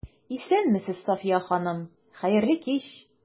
Исәнмесез, Сафия ханым, хәерле кич!